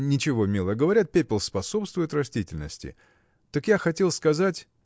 – Ничего, милая: говорят, пепел способствует растительности. Так я хотел сказать.